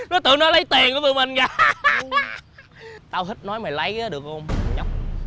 nó tưởng nó lấy tiền của tụi mình kìa há há há há tao thích nói mày lấy đó được hông thằng nhóc